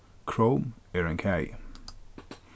chrome er ein kagi